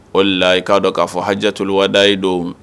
Ol la i k'a dɔ k'a fɔ hajatulwadayi don